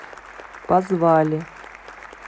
позвали